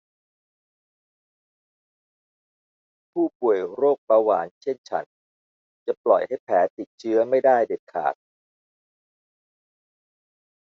ผู้ป่วยโรคเบาหวานเช่นฉันจะปล่อยให้แผลติดเชื้อไม่ได้เด็ดขาด